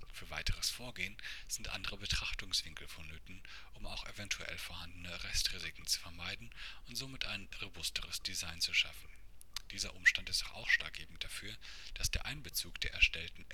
Für weiteres Vorgehen sind andere Betrachtungswinkel vonnöten, um auch evtl. vorhandene Restrisiken zu vermeiden und somit ein " Robustes Design " zu schaffen. Dieser Umstand ist auch ausschlaggebend dafür, dass der Einbezug der erstellten